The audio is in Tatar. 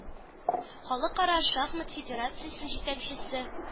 Халыкара шахмат федерациясе җитәкчесе